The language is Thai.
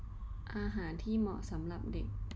อาหารที่เหมาะสำหรับเด็ก